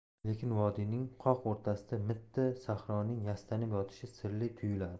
lekin vodiyning qoq o'rtasida mitti sahroning yastanib yotishi sirli tuyuladi